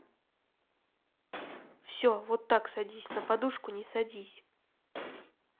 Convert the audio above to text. все вот так садись на подушку не садись